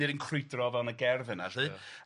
Nid yn crwydro fel yn y gerdd yna 'lly. Ia.